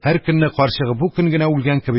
Һәр көнне, карчыгы бу көн генә үлгән кеби